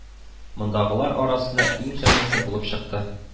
Мондагылар арасында иң җанлысы булып чыкты